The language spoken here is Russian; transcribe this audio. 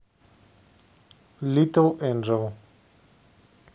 little angel